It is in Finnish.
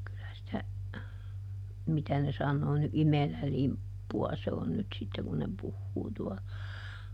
kyllä sitä mitä ne sanoo nyt imelälimppua se on nyt sitten kun ne puhuu tuolla